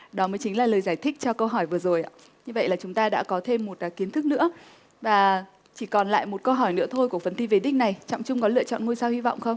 đó mới chính là lời giải thích cho câu hỏi vừa rồi như vậy là chúng ta đã có thêm một kiến thức nữa và chỉ còn lại một câu hỏi nữa thôi của phần thi về đích này trọng chung có lựa chọn ngôi sao hy vọng không